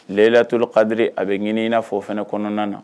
Lelaturu kadiri a be ɲini na fɔ o fana kɔnɔna na.